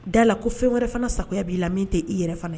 Da la ko fɛn wɛrɛ fana sagoya b' la min tɛ' i yɛrɛ fana ye